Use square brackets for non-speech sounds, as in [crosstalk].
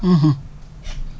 [hesitation] [hesitation]